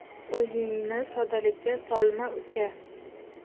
o'zingni soddalikka solma uka